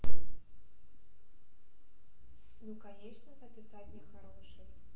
ну конечно записать нехороший